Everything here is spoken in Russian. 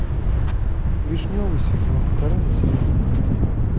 вишневый сезон вторая серия